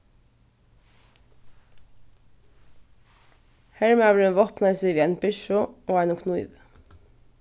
hermaðurin vápnaði seg við eini byrsu og einum knívi